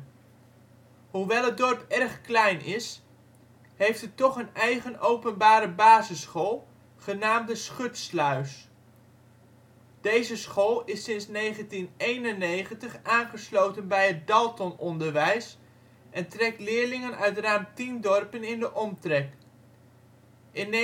Hoewel het dorp erg klein is, heeft het toch een eigen openbare basisschool genaamd ' de Schutsluis '. Deze school is sinds 1991 aangesloten bij het Daltononderwijs en trekt leerlingen uit ruim 10 dorpen in de omtrek. In 1985